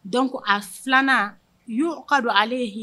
Dɔn a filanan y' ka don ale ye h